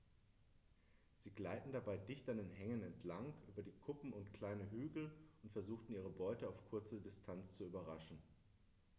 Sie gleiten dabei dicht an Hängen entlang, über Kuppen und kleine Hügel und versuchen ihre Beute auf kurze Distanz zu überraschen.